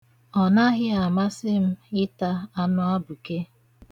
Ọnaghị amasị m ịta anụ abụke.